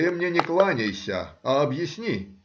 — Ты мне не кланяйся, а объясни